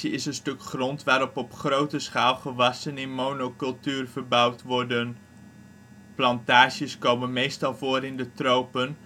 is een stuk grond waarop op grote schaal gewassen in monocultuur verbouwd worden. Plantages komen meestal voor in de tropen